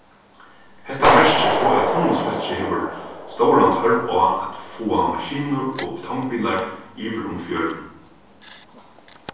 hetta merkir so at tunnilsfólkið hevur stóran tørv á at fáa maskinur og betongbilar yvir um fjørðin